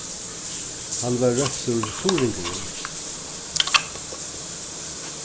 hann var róptur suðuroyingurin